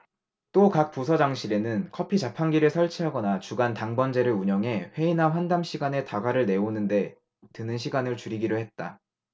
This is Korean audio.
또 각 부서장실에는 커피자판기를 설치하거나 주간 당번제를 운영해 회의나 환담 시간에 다과를 내오는 데 드는 시간을 줄이기로 했다